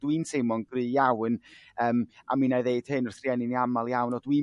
dwi'n teimlo'n gry' iawn yym a mi nai ddeud hyn wrth rhieni'n amal iawn o dwi'n